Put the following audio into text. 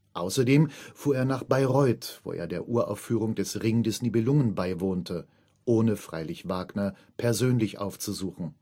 Außerdem fuhr er nach Bayreuth, wo er der Uraufführung des Ring des Nibelungen beiwohnte, ohne freilich Wagner persönlich aufzusuchen